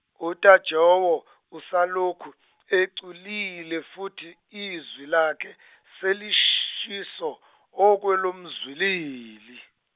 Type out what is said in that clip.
uTajewo usalokhu eculile futhi izwi lakhe selishiso okwelomzwilili.